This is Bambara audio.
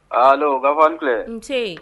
Ayiwa kabaa filɛ